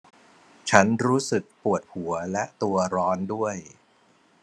ฉันรู้สึกปวดหัวและตัวร้อนด้วย